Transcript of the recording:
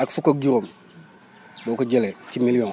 ak fukk ak juróom boo ko jëlee si million